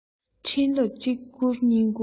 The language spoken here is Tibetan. འཕྲིན ལབ གཅིག བསྐུར གཉིས བསྐུར